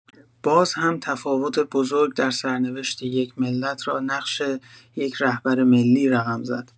بازهم تفاوت بزرگ در سرنوشت یک ملت را نقش یک رهبر ملی رقم زد.